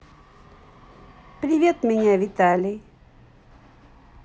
привет меня виталий